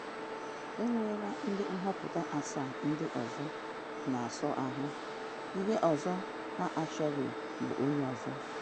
“Enweela ndị nhọpụta asaa ndị ọzọ n’ọsọ ahụ, ihe ọzọ ha achọghị bụ onye ọzọ.